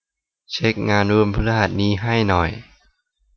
เช็คงานวันพฤหัสนี้ให้หน่อย